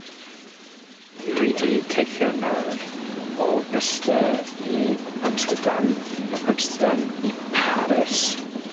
Dwi 'di teithio nawr o Bryste i Amsterdam, Amsterdam i Paris.